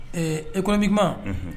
Ɛ e kodi kuma